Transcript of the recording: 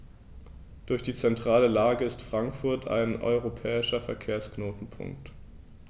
Durch die zentrale Lage ist Frankfurt ein europäischer Verkehrsknotenpunkt.